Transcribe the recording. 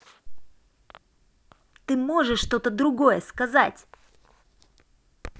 ты можешь что то другое сказать